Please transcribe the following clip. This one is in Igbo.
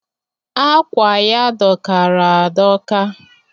Akwa ya dọkara adọka.